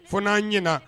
F n'a ɲɛna